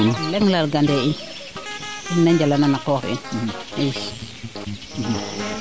o leŋ lal gane in ina njala nan a qoox in i